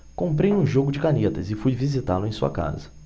comprei um jogo de canetas e fui visitá-lo em sua casa